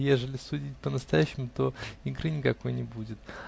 Ежели судить по-настоящему, то игры никакой не будет.